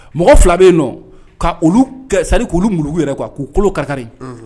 Mɔgɔ 2 bɛ ye nɔ ka olu muluku yɛrɛ quoi k'u kolow kari kari.